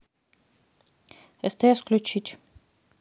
стс включить